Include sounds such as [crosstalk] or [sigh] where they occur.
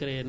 [hesitation] [hesitation]